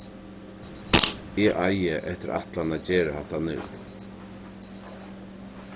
eg eigi eftir ætlan at gera hatta nú